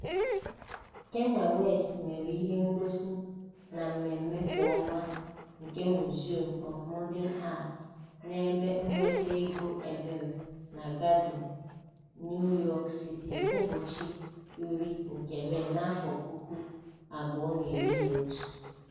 Kanye West mere ihe ngosi na Mmemme kwa ọnwa nke Museum of Modern Art n'ebe nnweta ego ebere na Garden, New York City, ụbọchị 10 nke Mee, 2011.